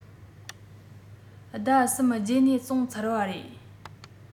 ཟླ བ གསུམ རྗེས ནས བཙོང ཚར བ རེད